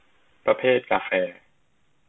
ประเภทกาแฟ